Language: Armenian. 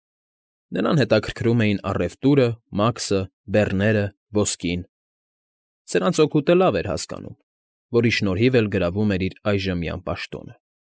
Նրան հետաքրքրում էին առևտուրը, մաքսը, բեռները, ոսկին, սրանց օգուտը լավ էր հասկանում, որի շնորհիվ էլ գրավում էր իր այժմյան պաշտոնը։